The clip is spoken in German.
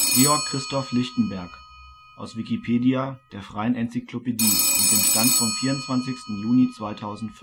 Georg Christoph Lichtenberg, aus Wikipedia, der freien Enzyklopädie. Mit dem Stand vom Der